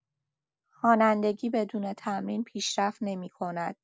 خوانندگی بدون تمرین پیشرفت نمی‌کند.